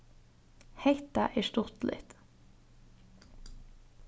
hetta er stuttligt